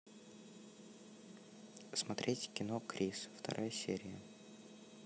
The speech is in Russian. смотреть кино крис вторая серия